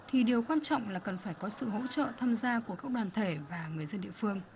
thì điều quan trọng là cần phải có sự hỗ trợ tham gia của các đoàn thể và người dân địa phương